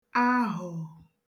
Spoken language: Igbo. ahọ̀